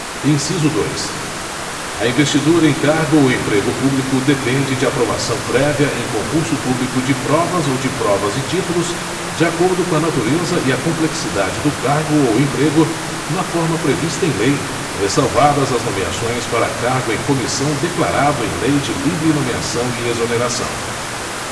inciso dois a investidura em cargo ou emprego público depende de aprovação prévia em concurso público de provas ou de provas e títulos de acordo com a natureza e a complexidade do cargo ou emprego na forma prevista em lei ressalvadas as nomeações para cargo em comissão declarado em lei de livre nomeação e exoneração